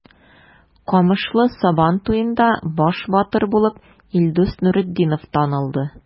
Камышлы Сабан туенда баш батыр булып Илдус Нуретдинов танылды.